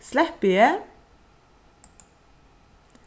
sleppi eg